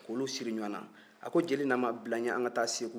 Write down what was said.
k'olu siri ɲɔgɔn na a ko jeli nama bila n ɲɛ an ka taa segu